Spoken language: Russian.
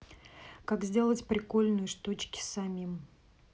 как сделать прикольные штучки самим